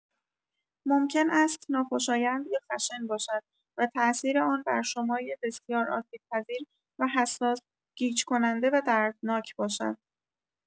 ممکن است ناخوشایند یا خشن باشد و تاثیر آن بر شمای بسیار آسیب‌پذیر و حساس، گیج کننده و دردناک باشد.